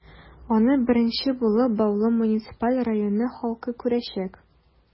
Аны беренче булып, Баулы муниципаль районы халкы күрәчәк.